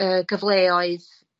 yy gyfleoedd